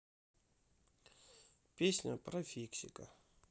песня про фиксика